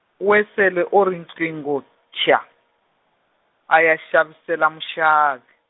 wesele o riqingho thyaa, a ya xavisela muxavi.